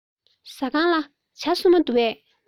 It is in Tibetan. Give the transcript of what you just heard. ཟ ཁང ལ ཇ སྲུབས མ འདུག གས